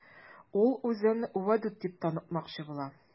Ул үзен Вәдүт дип танытмакчы була.